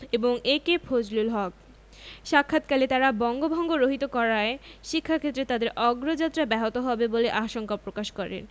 এবং এ.কে ফজলুল হক সাক্ষাৎকালে তাঁরা বঙ্গভঙ্গ রহিত করায় শিক্ষাক্ষেত্রে তাদের অগ্রযাত্রা ব্যাহত হবে বলে আশঙ্কা প্রকাশ করেন